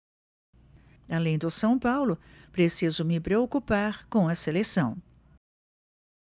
além do são paulo preciso me preocupar com a seleção